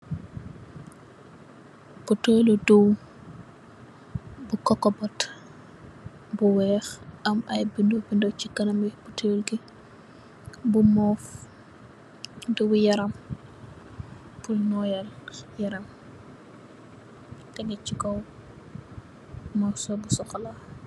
Buteel li diw bu coco butter bu weeh. Am ay binda-binda ci kanamu buteel bi, bu move. Diw yaram bi noyal yaram tégé ci kaw murso bu sokola.